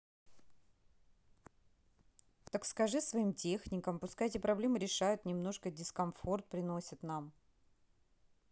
так скажи своим техникам пускай эти проблемы решают немножко дискомфорт приносят нам